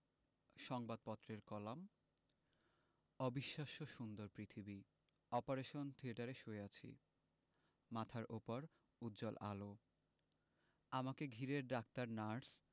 সংবাদপত্রের কলাম অবিশ্বাস্য সুন্দর পৃথিবী অপারেশন থিয়েটারে শুয়ে আছি মাথার ওপর উজ্জ্বল আলো আমাকে ঘিরে ডাক্তার নার্স